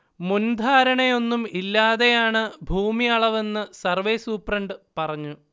മുൻധാരണയൊന്നും ഇല്ലാതെയാണ് ഭൂമി അളവെന്ന് സർവേ സൂപ്രണ്ട് പറഞ്ഞു